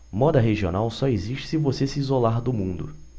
moda regional só existe se você se isolar do mundo